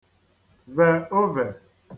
vè ovè